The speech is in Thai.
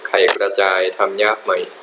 ไข่กระจายทำยากไหม